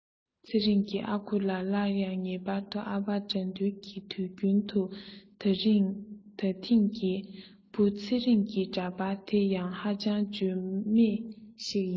ཚེ རིང གི ཨ ཁུ ལ སླར ཡང ངེས པར དུ ཨ ཕ དགྲ འདུལ ནི དུས རྒྱུན དུ ད ཐེངས ཀྱི བུ ཚེ རིང གི འདྲ པར འདི ཡང ཨ ཅང བརྗོད མེད ཞིག ཡིན